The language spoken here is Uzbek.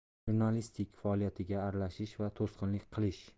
jurnalistlik faoliyatiga aralashish va to'sqinlik qilish